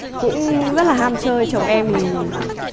cũng rất là ham chơi chồng em thì